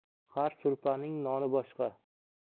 har supraning noni boshqa